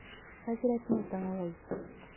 Хәзрәтне тыңлый.